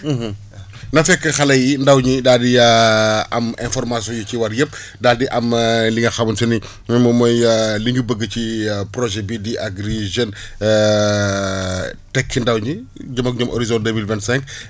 na fekk xale yi ndaw ñi daal di am information yu ci war yëpp daal di am li nga xamante ni moom mooy li ñu bëgg ci projet bii di Agri Jeunes tekki ndaw ñi jëm ak ñoom horizon deux mille vingt cinq